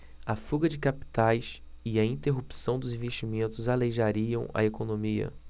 a fuga de capitais e a interrupção dos investimentos aleijariam a economia